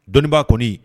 Dɔnnibaa kɔni